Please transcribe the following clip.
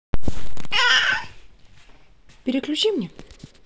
переключи мне